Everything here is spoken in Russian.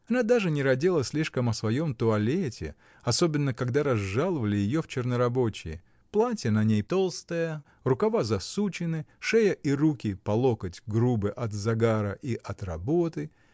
Она даже не радела слишком о своем туалете, особенно когда разжаловали ее в чернорабочие: платье на ней толстое, рукава засучены, шея и руки по локоть грубы от загара и от работы